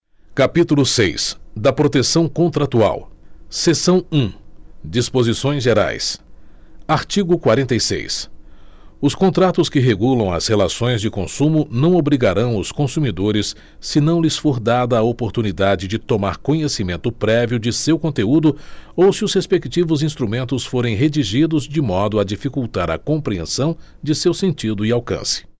capítulo seis da proteção contratual seção um disposições gerais artigo quarenta e seis os contratos que regulam as relações de consumo não obrigarão os consumidores se não lhes for dada a oportunidade de tomar conhecimento prévio de seu conteúdo ou se os respectivos instrumentos forem redigidos de modo a dificultar a compreensão de seu sentido e alcance